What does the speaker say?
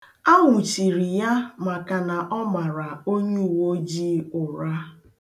A nwụchiri ya maka na ọ mara onyeuweojii ụra.